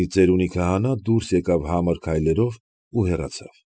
Մի ծերունի քահանա դուրս եկավ համր քայլերով ու հեռացավ։